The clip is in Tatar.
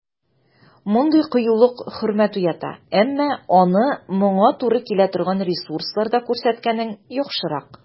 Мондый кыюлык хөрмәт уята, әмма аны моңа туры килә торган ресурсларда күрсәткәнең яхшырак.